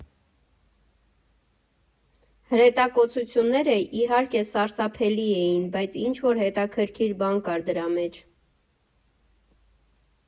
Հրետակոծությունները, իհարկե, սարսափելի էին, բայց ինչ֊որ հետաքրքիր բան կար դրա մեջ։